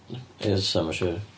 Ie, fysa mae'n siŵr.